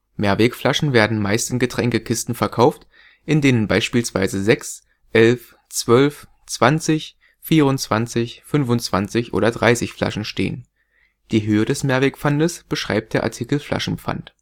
Mehrwegflaschen werden meist in Getränkekisten verkauft, in denen beispielsweise 6, 11, 12, 20, 24, 25 oder 30 Flaschen stehen. Die Höhe des Mehrwegpfandes beschreibt der Artikel Flaschenpfand